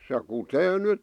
se kutee nyt